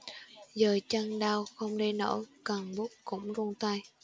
giờ chân đau không đi nổi cầm bút cũng run tay